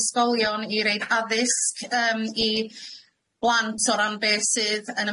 ysgolion i roid addysg yym i blant o ran beth sydd yn